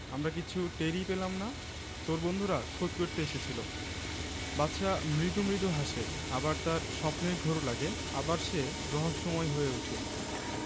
আমরা কিচ্ছু টেরই পেলাম না তোর বন্ধুরা খোঁজ করতে এসেছিলো বাদশা মৃদু মৃদু হাসে আবার তার স্বপ্নের ঘোর লাগে আবার সে রহস্যময় হয়ে উঠে